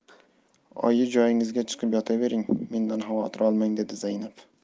oyi joyingizga chiqib yotavering mendan xavotir olmang dedi zaynab